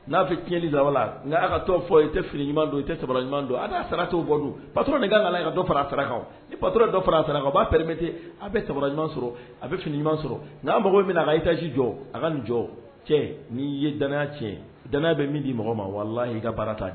N'a fɛ tiɲɛnli lala nka' ka tɔn fɔ i tɛ fini ɲuman don i tɛ ɲuman don a' sara bɔ don patura nin ka ka dɔ fara sarakaw i pato dɔ fara sara kan b'a premete a bɛ ta ɲuman sɔrɔ a bɛ fini ɲuman sɔrɔ nka' mago min ka i taasi jɔ a ka nin jɔ cɛ n'i ye danya tiɲɛ dan bɛ min di mɔgɔ ma wala y' ka baara ta cɛ